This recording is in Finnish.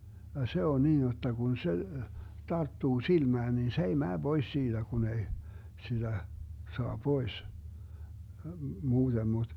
ja se on niin jotta kun se tarttuu silmään niin se ei mene pois siitä kun ei sitä saa pois muuten mutta